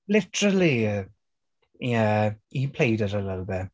Literally. Yeah, he played her a little bit.